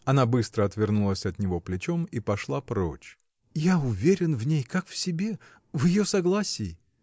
Она быстро отвернулась от него плечом и пошла прочь. — Я уверен в ней, как в себе. в ее согласии.